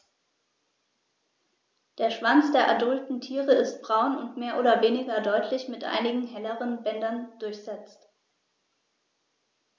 Der Schwanz der adulten Tiere ist braun und mehr oder weniger deutlich mit einigen helleren Bändern durchsetzt.